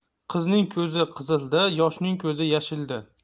qizning ko'zi qizilda yoshning ko'zi yashilda